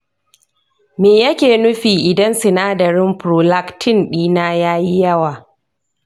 me yake nufi idan sinadarin prolactin ɗina ya yi yawa?